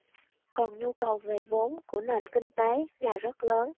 còn nhu cầu về vốn của nền kinh tế là rất lớn